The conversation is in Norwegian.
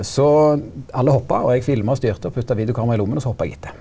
så alle hoppa og eg filma og styrte og putta videokameraet i lomma også hoppa eg etter.